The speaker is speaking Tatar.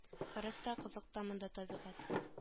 Кырыс та кызык та монда табигать